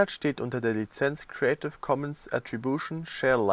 steht unter der Lizenz Creative Commons Attribution Share